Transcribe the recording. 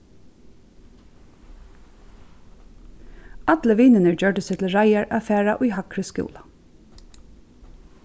allir vinirnir gjørdu seg til reiðar at fara í hægri skúla